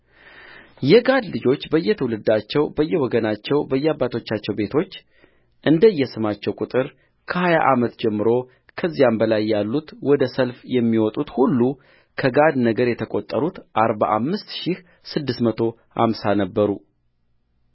የጋድ ልጆች በየትውልዳቸው በየወገናቸው በየአባቶቻቸው ቤቶች እንደየስማቸው ቍጥር ከሀያ ዓመት ጀምሮ ከዚያም በላይ ያሉት ወደ ሰልፍ የሚወጡት ሁሉከጋድ ነገድ የተቈጠሩት አርባ አምስት ሺህ ስድስት መቶ አምሳ ነበሩ